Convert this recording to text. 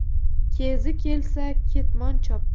kezi kelsa ketmon chop